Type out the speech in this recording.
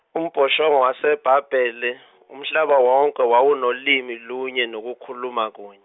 umbhoshongo waseBhabhele Umhlaba wonke wawunolimi lunye nokukhuluma kuny-.